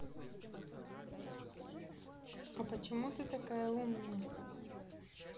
а почему ты такая умная